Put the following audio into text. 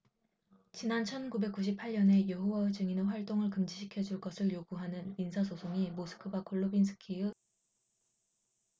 지난 천 구백 구십 팔 년에 여호와의 증인의 활동을 금지시켜 줄 것을 요구하는 민사 소송이 모스크바 골로빈스키 지구의 자치구 법원에 제기되었습니다